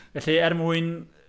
Felly er mwyn...